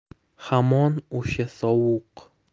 hamon o'sha sovuq